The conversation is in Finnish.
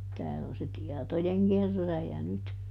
täällä on se tietojenkerääjä nyt